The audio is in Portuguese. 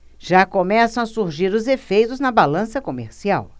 já começam a surgir os efeitos na balança comercial